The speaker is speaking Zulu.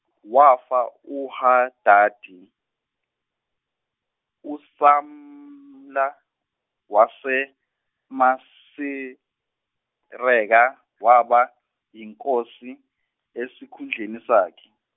wafa uHadadi uSamla waseMasireka waba yinkosi esikhundleni sakhe.